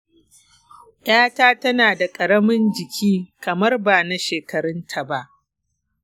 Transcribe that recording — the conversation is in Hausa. yata tana da karamin jiki kamar ba na shekarun ta ba.